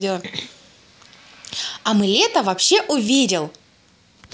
а мы лето вообще увидел